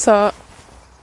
So,